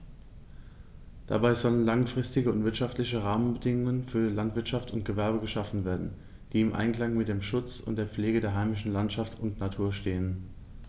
Dabei sollen langfristige und wirtschaftliche Rahmenbedingungen für Landwirtschaft und Gewerbe geschaffen werden, die im Einklang mit dem Schutz und der Pflege der heimischen Landschaft und Natur stehen.